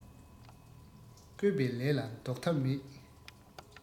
བསྐོས པའི ལས ལ ཟློག ཐབས མེད